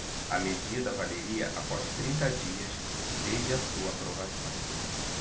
a medida valeria após trinta dias desde a sua aprovação